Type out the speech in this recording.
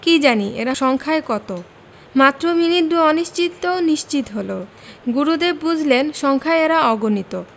কি জানি এরা সংখ্যায় কত মাত্র মিনিট দুই অনিশ্চিত নিশ্চিত হলো গুরুদেব বুঝলেন সংখ্যায় এরা অগণিত